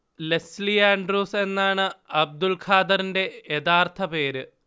Leslie Andrews എന്നാണ് അബ്ദുള്ഖാദറിന്റെ യഥാർഥ പേര്